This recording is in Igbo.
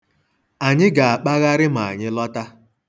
Anyị ga-akpagharị ma anyị lọta.